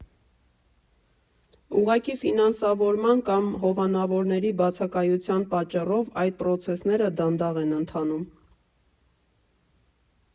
Ուղղակի ֆինանսավորման կամ հովանավորների բացակայության պատճառով այդ պրոցեսները դանդաղ են ընթանում։